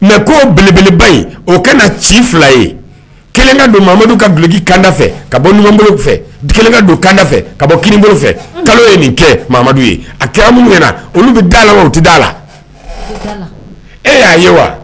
Mɛ ko belebeleba in o ka na ci fila ye kelenka don mamadu ka duki kanda fɛ ka bɔb fɛ kelenka don kanda fɛ ka bɔ kibbolo fɛ kalo ye nin kɛ ye a kɛra minnu na olu bɛ dala la da la e y'a ye wa